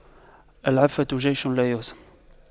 العفة جيش لايهزم